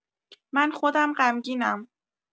من خودم غمگینم.